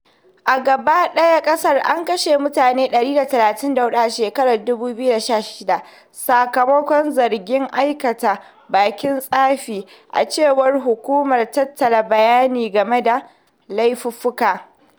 A gaba ɗayan ƙasar, an kashe mutane 134 a shekarar 2016 sakamakon zargin aikata "baƙin tsafi", a cewar Hukumar Tattara Bayanai game da Laifuffuka,